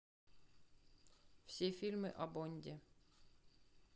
все фильмы о бонде